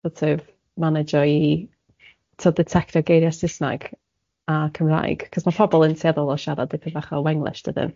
so't of manegio i tibod ditectio geiriau Saesneg a Cymraeg, achos ma' pobl yn tueddol o siarad dipyn bach o Wenglish dydyn?